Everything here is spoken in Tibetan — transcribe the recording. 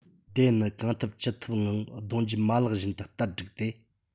དེ ནི གང ཐུབ ཅི ཐུབ ངང གདུང རྒྱུད མ ལག བཞིན དུ བསྟར བསྒྲིགས ཏེ